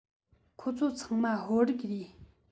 ཁོ ཚོ ཚང མ ཧོར རིགས རེད